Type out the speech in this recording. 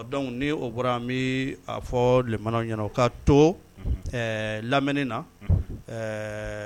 Donc ni o bɔra in, an bi a fɔ lemanaw ɲɛna u ka to ɛɛ lamni na . Ɛɛ